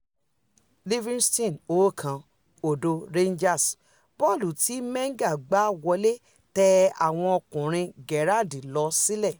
Livingston 1 - 0 Rangers: Bọ́ọ̀lù ti Menga gbá wọlé tẹ àwọn ọkùnrin Gerrard lọsílẹ̀